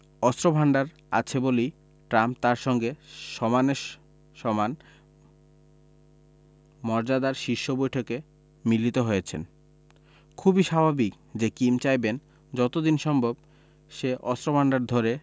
অস্ত্রভান্ডার আছে বলেই ট্রাম্প তাঁর সঙ্গে সমানে সমান মর্যাদার শীর্ষ বৈঠকে মিলিত হয়েছেন খুবই স্বাভাবিক যে কিম চাইবেন যত দিন সম্ভব সে অস্ত্রভান্ডার ধরে